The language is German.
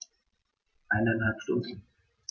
Eineinhalb Stunden